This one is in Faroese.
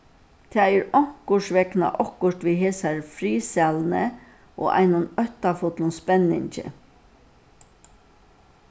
tað er onkursvegna okkurt við hesari friðsæluni og einum óttafullum spenningi